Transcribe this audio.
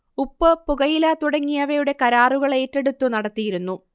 ഉപ്പ് പുകയില തുടങ്ങിയവയുടെ കരാറുകളേറ്റെടുത്തു നടത്തിയിരുന്നു